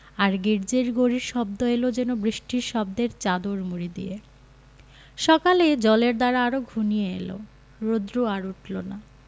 আর গির্জ্জের ঘড়ির শব্দ এল যেন বৃষ্টির শব্দের চাদর মুড়ি দিয়ে সকালে জলের ধারা আরো ঘনিয়ে এল রোদ্র আর উঠল না